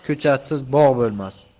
ko'chatsiz bog' bo'lmas